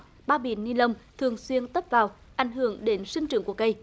bao bì ni long thường xuyên tất vào ảnh hưởng đến sinh trưởng của cây